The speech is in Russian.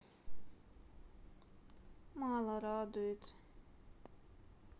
мало радует